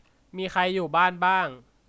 มีใครอยู่บ้านบ้าง